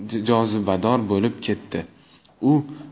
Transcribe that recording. jozibador bo'lib ketdi